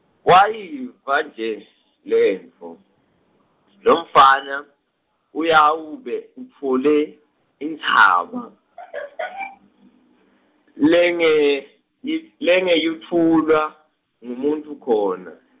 Wayiva nje, lentfo, lomfana, uyawube utfole, intsaba , lengeyi- langeyutfulwa, ngumuntfu khona.